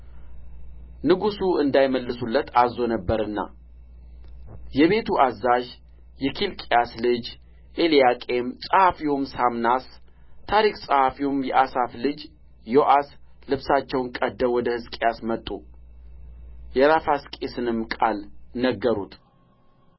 ንጉሡ እንዳይመልሱለት አዝዞ ነበርና የቤቱ አዛዥ የኬልቅያስ ልጅ ኤልያቄም ጸሐፊውም ሳምናስ ታሪክ ጸሐፊም የአሳፍ ልጅ ዮአስ ልብሳቸውን ቀድደው ወደ ሕዝቅያስ መጡ የራፋስቂስንም ቃል ነገሩት